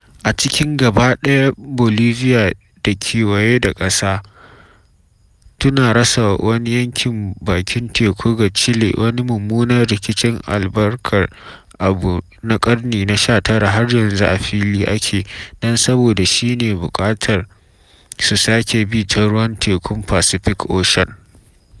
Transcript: A cikin gaba ɗaya Bolivia da ke kewaye da ƙasa, tuna rasa wani yankin bakin teku ga Chile wani mummunan rikicin albarkar abu na ƙarni na 19 har yanzu a fili a yake - don saboda shi ne buƙatar su sake bi ta ruwan Tekun Pacific Ocean.